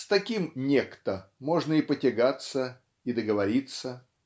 С таким Некто можно и потягаться, и договориться.